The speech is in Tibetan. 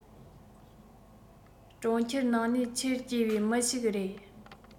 གྲོང ཁྱེར ནང ནས ཆེར སྐྱེས པའི མི ཞིག རེད